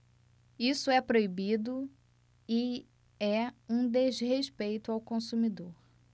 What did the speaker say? isso é proibido e é um desrespeito ao consumidor